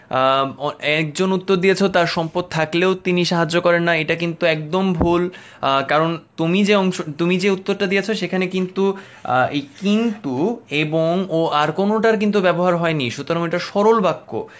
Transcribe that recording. একজন উত্তর দিয়েছে তার সম্পদ থাকলেও তিনি সাহায্য করেন না এটা কিন্তু একদম ভুল কারন তুমি যে উত্তরটা দিয়েছো সেখানে কিন্তু কিন্তু এবং ও আর এই কোনটার কিন্তু ব্যবহার হয়নি সুতরাং ওইটা সরল বাক্য